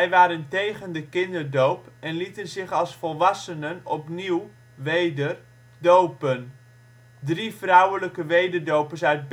waren tegen de kinderdoop en lieten zich als volwassenen opnieuw (weder) dopen. Drie vrouwelijke wederdopers uit